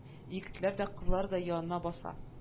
Егетләр дә кызлар да янына баса